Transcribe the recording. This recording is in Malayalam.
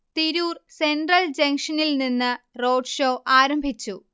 തിരൂർ സെൻട്രൽ ജംഗ്ഷനിൽ നിന്ന് റോഡ്ഷോ ആരംഭിച്ചു